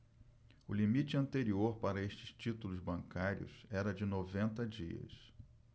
o limite anterior para estes títulos bancários era de noventa dias